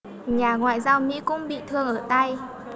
nhà ngoại giao mỹ cũng bị thương ở tay